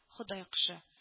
– ходай кошы